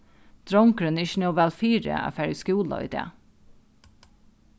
drongurin er ikki nóg væl fyri at fara í skúla í dag